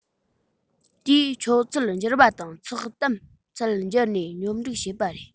དེས འཁྱོག ཚད བསྒྱུར པ དང ཚགས དམ ཚད བསྒྱུར ནས སྙོམ སྒྲིག བྱེད པ རེད